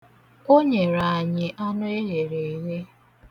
O nyere anyị anụ eghere eghe.